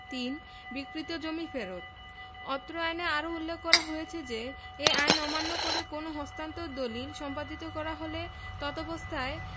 ৩ বিক্রীত জমি ফেরত অত্র আইনে আরো উল্লেখ করা হয়েছে যে এ আইন অমান্য করে কোনও হস্তান্তর দলিল সম্পাদিত করা হলে তদবস্থায়